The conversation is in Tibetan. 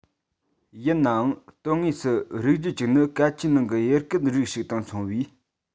ཡིན ནའང དོན དངོས སུ རིགས རྒྱུད གཅིག ནི སྐད ཆའི ནང གི ཡུལ སྐད རིགས ཤིག དང མཚུངས པས